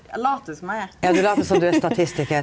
eg lèt som eg er .